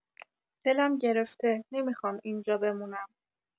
دلم گرفته نمی‌خوام اینجا بمونم